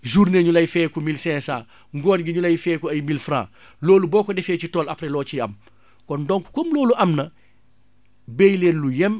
journée ñu lay feyeeku mille ngoon gi ñu lay feyeeku ay mille loolu boo ko defee ci tool après loo ciy am kon donc comme loolu am na bay leen lu yam